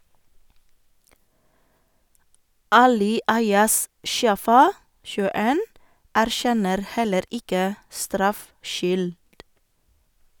Ali Ayaz Shafa (21) erkjenner heller ikke straffskyld.